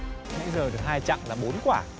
giờ được hai chặng là bốn quả